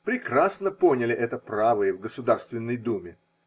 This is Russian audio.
Прекрасно поняли это правые в Государственной Думе.